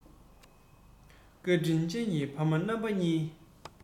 བཀའ དྲིན ཅན གྱི ཕ མ རྣམ པ གཉིས